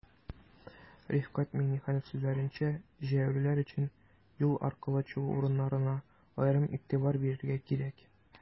Рифкать Миңнеханов сүзләренчә, җәяүлеләр өчен юл аркылы чыгу урыннарына аерым игътибар бирергә кирәк.